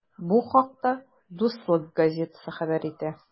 Бу хакта “Дуслык” газетасы хәбәр итә.